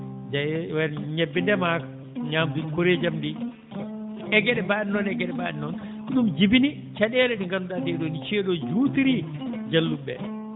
jaye ñebbe ndemaaka ñaamdu koreeji am ɗii e geɗe mbaaɗe noon e geɗe mbaaɗe noon ko ɗum jibini caɗeele ɗe ngannduɗaa ɗee ɗoo nii ceeɗu o juutirii jalluɓe ɓee